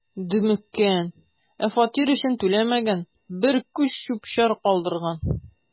„дөмеккән, ә фатир өчен түләмәгән, бер күч чүп-чар калдырган“.